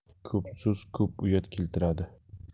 ko'p so'z ko'p uyat keltiradi